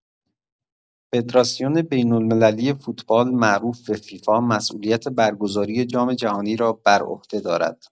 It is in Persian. فدراسیون بین‌المللی فوتبال، معروف به فیفا، مسئولیت برگزاری جام‌جهانی را بر عهده دارد.